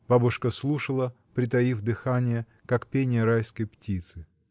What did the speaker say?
Бабушка слушала, притаив дыхание, как пение райской птицы.